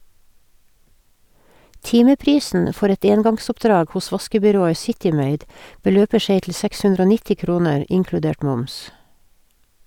Timeprisen for et engangsoppdrag hos vaskebyrået City Maid beløper seg til 690 kroner inkludert moms.